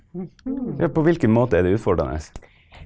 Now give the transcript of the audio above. ja på hvilken måte er det utfordrende?